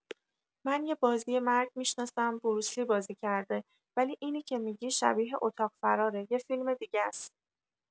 من یه بازی مرگ می‌شناسم بروسلی بازی کرده ولی اینی که می‌گی شبیه اتاق فراره یه فیلم دیگه ست